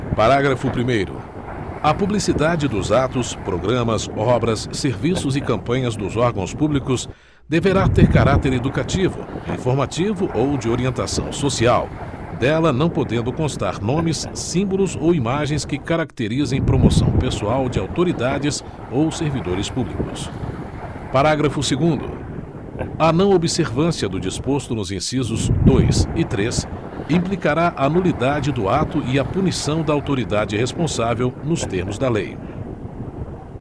parágrafo primeiro a publicidade dos atos programas obras serviços e campanhas dos órgãos públicos deverá ter caráter educativo informativo ou de orientação social dela não podendo constar nomes símbolos ou imagens que caracterizem promoção pessoal de autoridades ou servidores públicos parágrafo segundo a não observância do disposto nos incisos dois e três implicará a nulidade do ato e a punição da autoridade responsável nos termos da lei